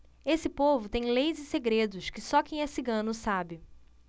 esse povo tem leis e segredos que só quem é cigano sabe